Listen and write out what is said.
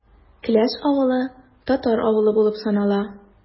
Келәш авылы – татар авылы булып санала.